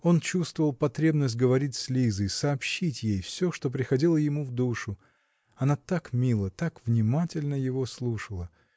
он чувствовал потребность говорить с Лизой, сообщить ей все, что приходило ему в душу: она так мило, так внимательно его слушала